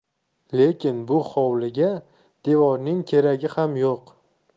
lekin bu hovliga devorning keragiyam yo'q